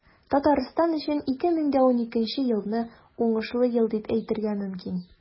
Татарстан өчен 2012 елны уңышлы ел дип әйтергә мөмкин.